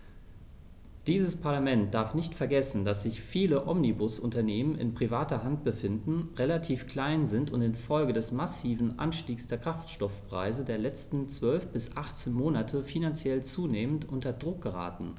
Dieses Parlament darf nicht vergessen, dass sich viele Omnibusunternehmen in privater Hand befinden, relativ klein sind und in Folge des massiven Anstiegs der Kraftstoffpreise der letzten 12 bis 18 Monate finanziell zunehmend unter Druck geraten.